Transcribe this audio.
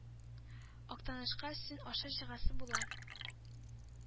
Актанышка Сөн аша чыгасы була.